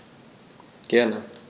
Gerne.